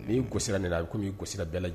N'i gosira nin i k n'isi ka bɛɛ